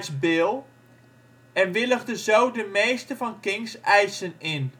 Bill " en willigde zo de meeste van Kings eisen in